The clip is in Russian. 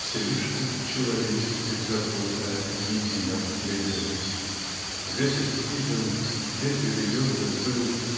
слишком "человеческих" забот о "едином хлебе". Весь аскетизм весь религиозный пыл